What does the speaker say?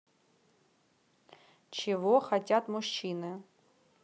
чего хотят мужчины